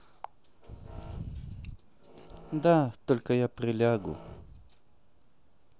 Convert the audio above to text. да только я прилягу